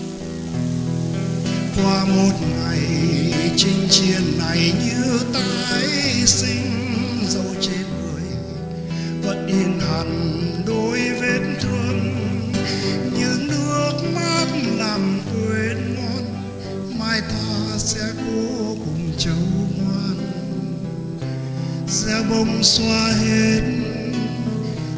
qua một ngày trên chiến này như ta ái sinh dẫu chết người vẫn in hằn đôi vết thương những nước mắt làm quên ngon mai ta sẽ cố cùng trâu ngoan sẽ bông xóa hết